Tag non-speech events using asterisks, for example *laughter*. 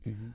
*hesitation* *hesitation*